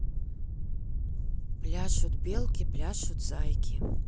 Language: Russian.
пляшут белки пляшут зайки